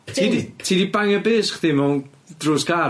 Pump? Ti 'di ti 'di bangio bys chdi mewn drws car..